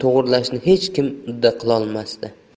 to'g'rilashni hech kim udda qilolmasdi